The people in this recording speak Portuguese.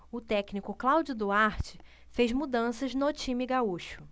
o técnico cláudio duarte fez mudanças no time gaúcho